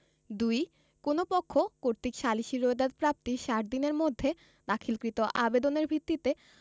২ কোন পক্ষ কর্তৃক সালিসী রোয়েদাদ প্রাপ্তির ষাট দিনের মধ্যে দাখিলকৃত আবেদনের ভিত্তিতে